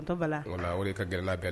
Ka g gɛlɛn bɛɛ la